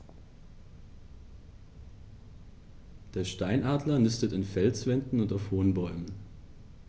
Der Steinadler nistet in Felswänden und auf hohen Bäumen.